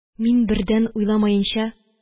Мин, бердән уйламаенча